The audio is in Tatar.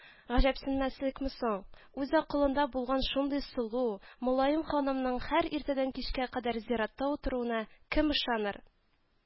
Гаҗәпсенмәслекме соң? Үз акылында булган шундый сылу, мөлаем ханымның һәр иртәдән кичкә кадәр зиратта утыруына кем ышаныр